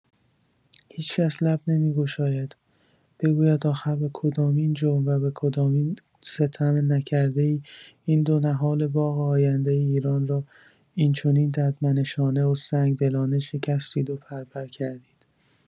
هیچ‌کس لب نمی‌گشاید بگوید آخر به کدامین جرم و به کدامین ستم نکرده‌ای این دو نهال باغ آینده ایران را اینچنین ددمنشانه و سنگدلانه شکستید و پر پر کردید؟!